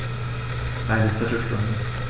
Eine viertel Stunde